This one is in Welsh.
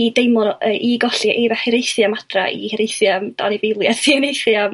i deimlio... i golli i hiraethu am adra i hiraethu am anifieiliaid i hiraethu am